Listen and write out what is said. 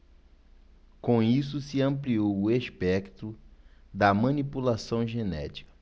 com isso se ampliou o espectro da manipulação genética